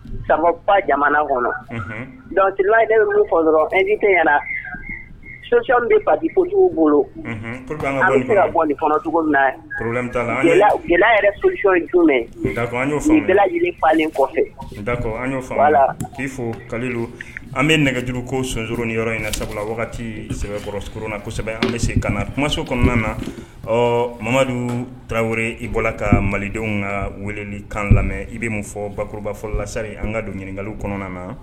Sama jamana kɔnɔlajiyara sonsɔnɔn bɛ fatigiw bolo ka cogo anolen kɔfɛo la fo ka an bɛ nɛgɛjuru ko sonjuru ni yɔrɔ in sabula wagati sɛbɛkɔrɔskurunna kosɛbɛ an bɛ se ka naso kɔnɔna na ɔ mamadu tarawele i bɔra ka malidenw ka weleli kan lamɛn i bɛ mun fɔ bakɔrɔbaba fɔlɔlasari an ka don ɲininkaka kɔnɔna na